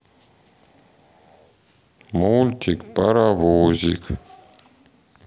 мультик паровозик